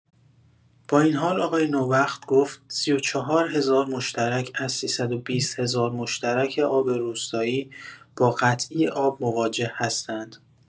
با این حال آقای نوبخت گفت: ۳۴ هزار مشترک از ۳۲۰ هزار مشترک آب روستایی با قطعی آب مواجه هستند